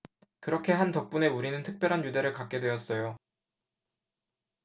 그렇게 한 덕분에 우리는 특별한 유대를 갖게 되었어요